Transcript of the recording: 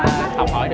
học hỏi